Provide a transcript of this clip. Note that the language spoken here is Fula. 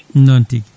noon tigui